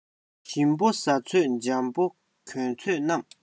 ཞིམ པོའི ཟ ཚོད འཇམ པོའི གྱོན ཚོད རྣམས